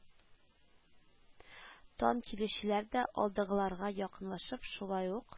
Тан килүчеләр дә, алдагыларга якынлашып, шулай ук